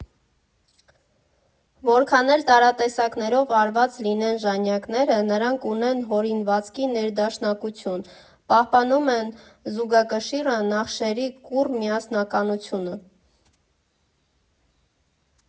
Որքան էլ տարատեսակներով արված լինեն ժանյակները, նրանք ունեն հորինվածքի ներդաշնակություն, պահպանում են զուգակշիռը, նախշերի կուռ միասնականությունը։